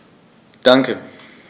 Danke.